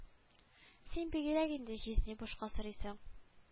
Син бигрәк инде җизни бушка сорыйсың